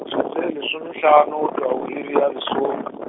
metsotso e lesomehlano go go ya go iri ya lesome.